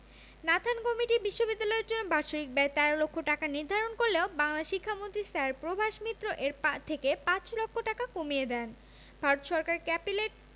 Nathan committee বিশ্ববিদ্যালয়ের জন্য বাৎসরিক ব্যয় ১৩ লক্ষ টাকা নির্ধারণ করলেও বাংলার শিক্ষামন্ত্রী স্যার প্রভাস মিত্র এর থেকে পাঁচ লক্ষ টাকা কমিয়ে দেন ভারত সরকার ক্যাপিটেল